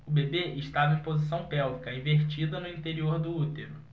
o bebê estava em posição pélvica invertida no interior do útero